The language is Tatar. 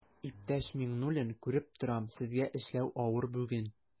Иптәш Миңнуллин, күреп торам, сезгә эшләү авыр бүген.